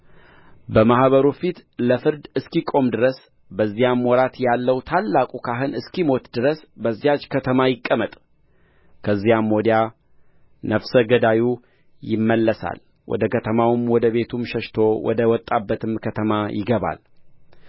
በማኅበሩ ፊት ለፍርድ እስኪቆም ድረስ በዚያም ወራት ያለው ታላቁ ካህን እስኪሞት ድረስ በዚያች ከተማ ይቀመጥ ከዚያም ወዲያ ነፍሰ ገዳዩ ይመለሳል ወደ ከተማውም ወደ ቤቱም ሸሽቶ ወደ ወጣባትም ከተማ ይገባል